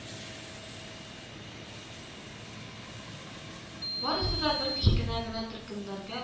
Барысы да бер кечкенә генә төркемнәргә